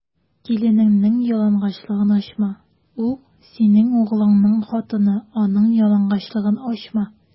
Киленеңнең ялангачлыгын ачма: ул - синең углыңның хатыны, аның ялангачлыгын ачма.